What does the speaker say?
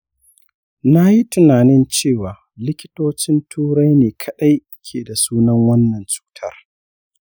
na yi tunanin cewa likitocin turai ne kaɗai ke da sunan wannan cutar.